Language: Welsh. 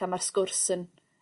a ma'r sgwrs yn